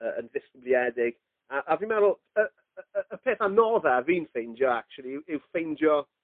yy yn ddisgybliedig a a fi meddwl y y y y peth anodda fi'n ffeindio actually yw yw ffeindio